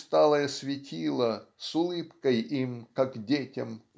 усталое светило С улыбкой им как детям